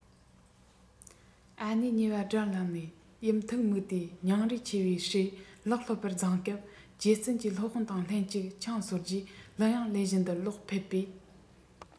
ཨ ནེའི ཉེ བ དགྲར ལངས ནས ཡུམ ཐུགས མུག སྟེ སྙིང རུས ཆེ བའི སྲས ཀློག སློབ པར བརྫངས སྐབས རྗེ བཙུན གྱིས སློབ དཔོན དང ལྷན ཅིག ཆང གསོལ རྗེས གླུ དབྱངས ལེན བཞིན དུ ལོག ཕེབས པས